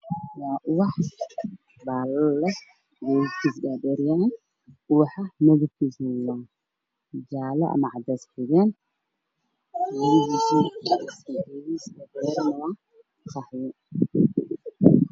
Waa ubax saaran miis midabkiisu yahay caddaan ubaxa waa oranji